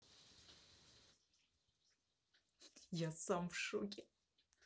я сам в шоке